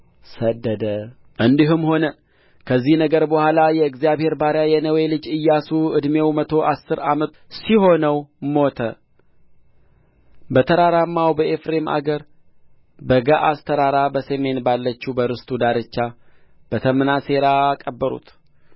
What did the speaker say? ሰደደ እንዲህም ሆነ ከዚህ ነገር በኋላ የእግዚአብሔር ባሪያ የነዌ ልጅ ኢያሱ ዕድሜው መቶ አሥር ዓመት ሲሆነው ሞተ በተራራማውም በኤፍሬም አገር በገዓስ ተራራ በሰሜን ባለችው በርስቱ ዳርቻ በተምናሴራ ቀበሩት